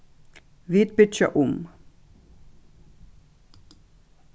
vit byggja um